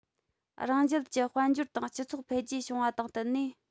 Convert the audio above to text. རང རྒྱལ གྱི དཔལ འབྱོར དང སྤྱི ཚོགས འཕེལ རྒྱས བྱུང བ དང བསྟུན ནས